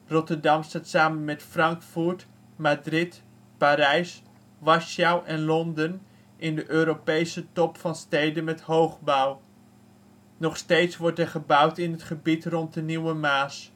Rotterdam staat samen met Frankfurt, Madrid, Parijs, Warschau en Londen in de Europese top van steden met hoogbouw. Nog steeds wordt er gebouwd in het gebied rond de Nieuwe Maas